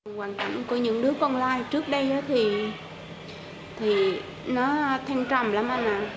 hoàn cảnh của những đứa con lai trước đây á thì thì nó thăng trầm lắm anh à